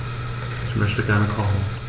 Ich möchte gerne kochen.